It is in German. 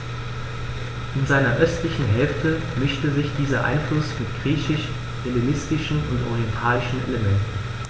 In seiner östlichen Hälfte mischte sich dieser Einfluss mit griechisch-hellenistischen und orientalischen Elementen.